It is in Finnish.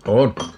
on